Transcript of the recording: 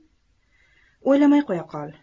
o'ylamay qo'ya qol